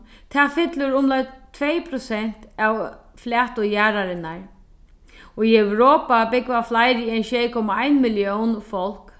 tað fyllir umleið tvey prosent av flatu jarðarinnar í europa búgva fleiri enn sjey komma ein millión fólk